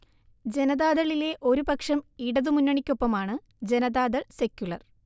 ജനതാദളിലെ ഒരു പക്ഷം ഇടതു മുന്നണിക്കൊപ്പമാണ് ജനാതാദൾ സെക്യുലർ